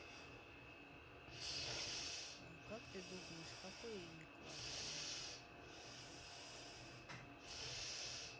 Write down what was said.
как ты думаешь какое имя классное